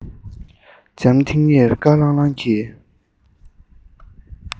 འཇམ ཐིང ངེར དཀར ལྷང ལྷང གི